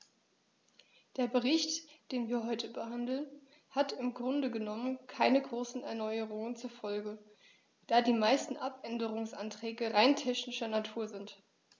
Der Bericht, den wir heute behandeln, hat im Grunde genommen keine großen Erneuerungen zur Folge, da die meisten Abänderungsanträge rein technischer Natur sind.